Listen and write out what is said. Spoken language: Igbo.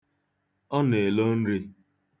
Ọ na-elo nri.